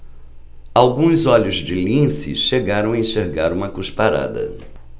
alguns olhos de lince chegaram a enxergar uma cusparada